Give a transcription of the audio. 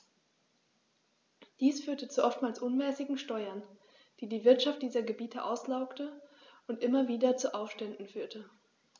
Dies führte zu oftmals unmäßigen Steuern, die die Wirtschaft dieser Gebiete auslaugte und immer wieder zu Aufständen führte.